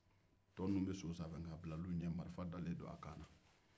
tow bɛ so sanfɛ nka a bilala u ɲɛ marifa dalen don a kan na